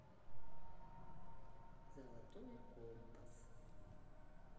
золотой компас